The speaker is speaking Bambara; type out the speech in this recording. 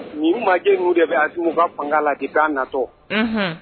Majɛ minnu de bɛ a tun u ka fanga la' taa natɔ